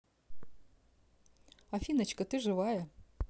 афиночка ты живая